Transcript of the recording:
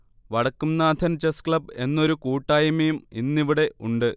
Vadakkumnathan chess club എന്നൊരു കൂട്ടായ്മയും ഇന്നിവിടെ ഉണ്ട്